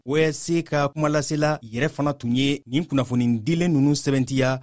weese ka kumalasela yɛrɛ fana tun ye nin kunnafoni dilen ninnu sɛmɛntiya